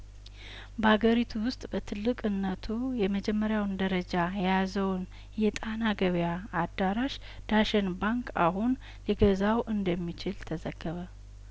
በአገሪቱ ውስጥ በትልቅነቱ የመጀመሪያውን ደረጃ የያዘውን የጣና የገበያ አዳራሽ ዳሽን ባንክ አሁን ሊገዛው እንደሚችል ተዘገበ